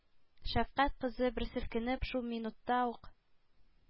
Шәфкать кызы, бер селкенеп, шул минут ук